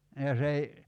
ja se ei